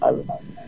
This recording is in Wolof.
allo